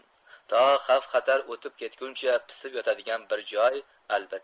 to xavf xatar o'tib ketguncha pisib yotadigan bir joy albatta